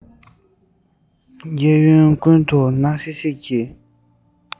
གཡས གཡོན ཀུན ཏུ ནག ཤིག ཤིག གི